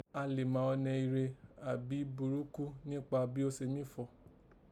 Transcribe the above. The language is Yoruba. A lè má ọnẹ ire àbí búrúkú níkpa bí ó se mí fọ̀